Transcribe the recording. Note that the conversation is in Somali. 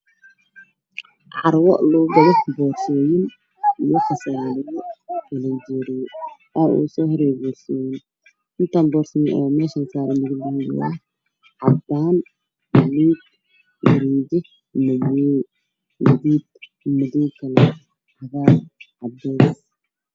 Waa carwo lugu iibiya boorsooyin iyo qasaalado. Boorsooyinka kalarkiisu waa cadaan, buluug, gariije, madow iyo gaduud, cagaar iyo cadeys.